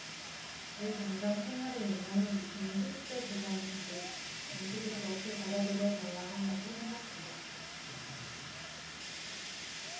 내 당장 생활에 영향을 미치는 소득세 계산하듯 정치도 그렇게 받아들여져야 한다고 생각한다